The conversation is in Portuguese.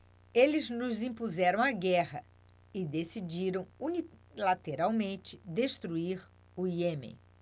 eles nos impuseram a guerra e decidiram unilateralmente destruir o iêmen